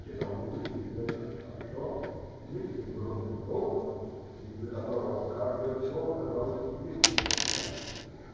Читал он, действительно, хорошо, низким грудным голосом, из-за которого каждое слово казалось непривычно ценным.